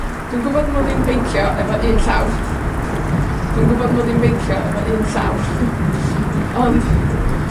dwi'n gwbod 'mod i'n beicio efo un llaw. Dwi'n gwbod 'mod i'n beicio efo un llaw. Ond,